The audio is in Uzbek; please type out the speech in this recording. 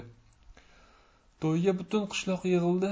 to'yga butun qishloq yig'ildi